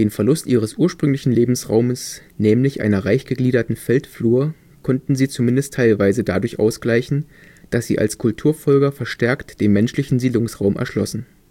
Verlust ihres ursprünglichen Lebensraums – nämlich einer reich gegliederten Feldflur – konnten sie zumindest teilweise dadurch ausgleichen, dass sie als Kulturfolger verstärkt den menschlichen Siedlungsraum erschlossen